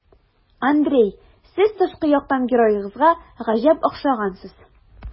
Андрей, сез тышкы яктан героегызга гаҗәп охшагансыз.